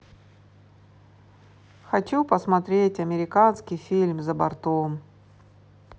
хочу посмотреть американский фильм за бортом